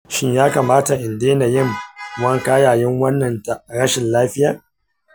shin ya kamata in daina yin wanka yayin wannan rashin lafiyar?